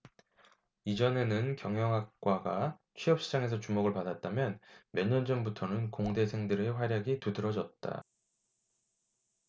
이전에는 경영학과가 취업시장에서 주목을 받았다면 몇년 전부터는 공대생들의 활약이 두드러졌다